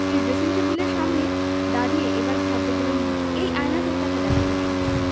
স্ত্রীর ড্রেসিং টেবিলের সামনে দাঁড়িয়ে এবার ঘাবড়ে গেলেন মন্ত্রী এই আয়নাতেও তাঁকে দেখা যাচ্ছে না